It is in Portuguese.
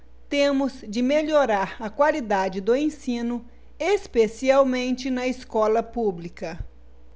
temos de melhorar a qualidade do ensino especialmente na escola pública